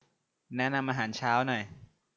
แนะนำอาหารเช้าหน่อย